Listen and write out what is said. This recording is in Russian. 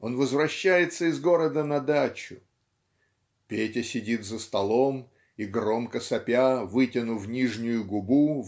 Он возвращается из города на дачу. "Петя сидит за столом и громко сопя вытянув нижнюю губу